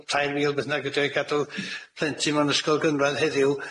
tair mil beth bynnag ydi o i gadw plentyn mewn ysgol gynradd heddiw,